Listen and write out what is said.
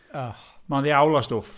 Mae'n ddiawl o stwff.